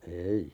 ei